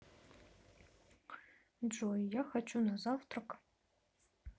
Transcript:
джой я хочу на завтрак